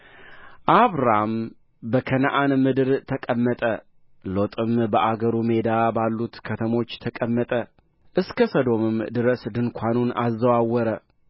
አብራም በከነዓን ምድር ተቀመጠ ሎጥም በአገሩ ሜዳ ባሉት ከተሞች ተቀመጠ እስከ ሰዶምም ድረስ ድንኳኑን አዘዋወረ